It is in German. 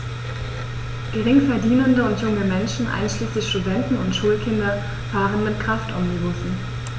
Geringverdienende und junge Menschen, einschließlich Studenten und Schulkinder, fahren mit Kraftomnibussen.